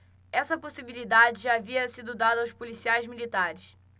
essa possibilidade já havia sido dada aos policiais militares